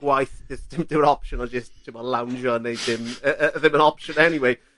gwaith d- dim yn opsiwn o jyst t'mo' loungio neud dim yy yy ddim yn opsiwn anyway